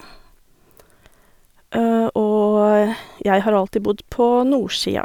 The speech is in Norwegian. Og jeg har alltid bodd på nordsia.